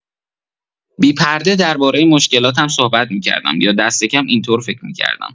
بی‌پرده درباره مشکلاتم صحبت می‌کردم یا دست‌کم این‌طور فکر می‌کردم.